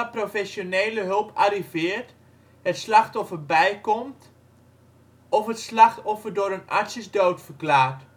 professionele hulp arriveert, het slachtoffer bijkomt, of het slachtoffer door een arts is doodverklaard